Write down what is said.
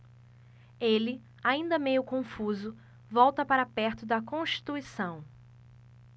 ele ainda meio confuso volta para perto de constituição